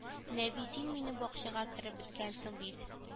Нәби син минем бакчага кереп беткәнсең бит